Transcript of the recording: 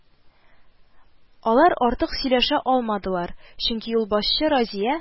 Алар артык сөйләшә алмадылар, чөнки юлбашчы Разия: